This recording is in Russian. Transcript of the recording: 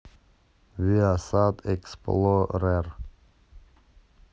виасат эксплорер